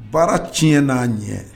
Baara tiɲɛ n'a ɲɛ